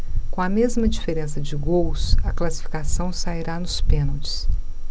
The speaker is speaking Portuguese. com a mesma diferença de gols a classificação sairá nos pênaltis